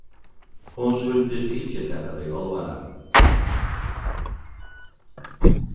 hon sýntist ikki taka tað í álvara